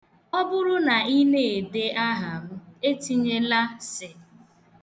Ọ bụrụ na ị na-ede aha m, etinyela 's'